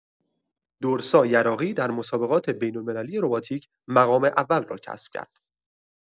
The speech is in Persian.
درسا یراقی، در مسابقات بین‌المللی روباتیک مقام اول را کسب کرد.